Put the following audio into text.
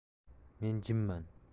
men jimman